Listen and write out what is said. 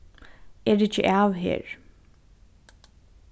eg riggi av her